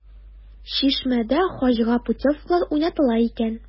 “чишмә”дә хаҗга путевкалар уйнатыла икән.